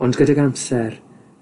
Ond gydag amser,